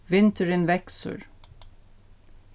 vindurin veksur